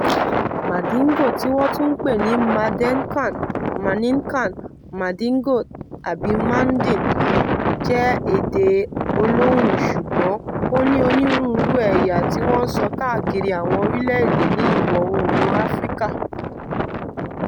Mandingo (tí wọ́n tún ń pè ní Mandenkan, Maninka, Mandingo, àbí Manding) jẹ́ èdè olóhùn ṣùgbọ́n ó ní onírúurú ẹ̀yà tí wọ́n ń sọ káàkiri àwọn orílẹ̀-èdè ní Ìwọ̀-oòrùn Áfíríkà.